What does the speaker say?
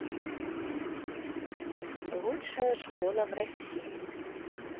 лучшая школа в россии